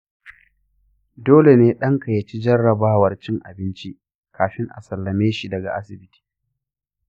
dole ne ɗanka ya ci jarrabawar cin abinci kafin a sallame shi daga asibiti.